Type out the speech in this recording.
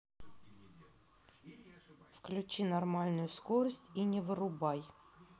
включи нормальную скорость и не вырубай